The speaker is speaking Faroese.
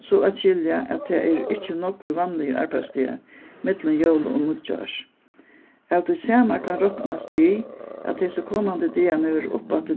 so at skilja at tað eru ikki nógvir vanligir arbeiðsdagar millum jól og nýggjárs av tí sama kann roknast við at hesi komandi dagarnir vera uppaftur